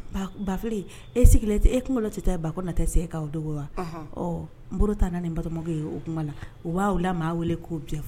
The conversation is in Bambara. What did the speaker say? Bafile e sigilen e kunkololo tɛ ba ko na tɛ se ka o dogo wa ɔ n nba tan nin batokɛ ye o la u b'a la maa weele k'o jɛ fɔ